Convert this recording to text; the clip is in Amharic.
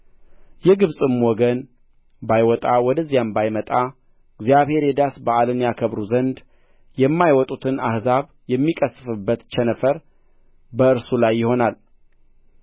የግብጽም ወገን ባይወጣ ወደዚያም ባይመጣ እግዚአብሔር የዳስ በዓልን ያከብሩ ዘንድ የማይወጡትን አሕዛብ የሚቀሥፍበት ቸነፈር በእርሱ ላይ ይሆናል